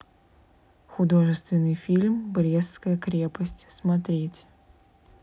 художественный фильм брестская крепость смотреть